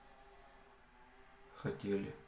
хотели